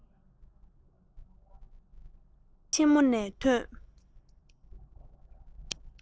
སློབ གྲྭ ཆེན མོ ནས ཐོན